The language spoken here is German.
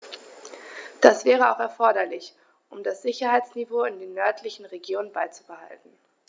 Das wäre auch erforderlich, um das Sicherheitsniveau in den nördlichen Regionen beizubehalten.